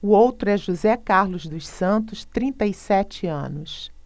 o outro é josé carlos dos santos trinta e sete anos